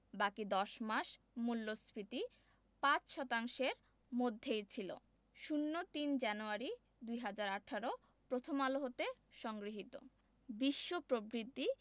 বাকি ১০ মাস মূল্যস্ফীতি ৫ শতাংশের মধ্যেই ছিল ০৩ জানুয়ারি ২০১৮ প্রথম আলো হতে সংগৃহীত বিশ্ব প্রবৃদ্ধি